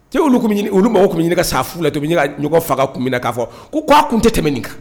Cɛ, olu mako tun bɛ ɲini ka sa fu la ten, u bɛ ɲini ka ɲɔgɔn faga kun bɛ'a fɔ ko k'a tun tɛ tɛmɛ nin kan